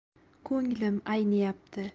'nglim ayniyapti